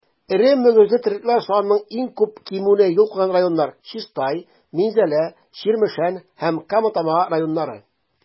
Эре мөгезле терлекләр санының иң күп кимүенә юл куйган районнар - Чистай, Минзәлә, Чирмешән һәм Кама Тамагы районнары.